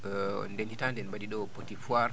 ndeen hitaande en mbaɗii ɗo petit foire